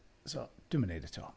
So, dwi'm yn i wneud eto.